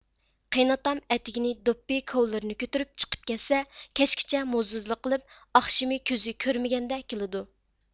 قېيناتام ئەتىگىنى دۇپپى كوۋلىرىنى كۆتۈرۈپ چىقىپ كەتسە كەچكىچە موزدوزلۇق قىلىپ ئاخشىمى كۆزى كۆرمىگەندە كېلىدۇ